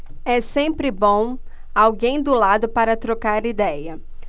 é sempre bom alguém do lado para trocar idéia